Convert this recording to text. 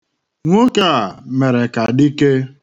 Nwoke a mere ka dike.